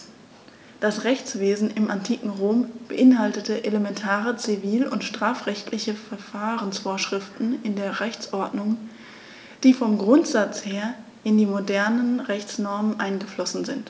Das Rechtswesen im antiken Rom beinhaltete elementare zivil- und strafrechtliche Verfahrensvorschriften in der Rechtsordnung, die vom Grundsatz her in die modernen Rechtsnormen eingeflossen sind.